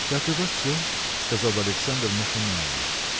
– Как и во всем, – сказал Александр машинально.